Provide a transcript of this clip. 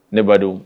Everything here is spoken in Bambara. Ne ba don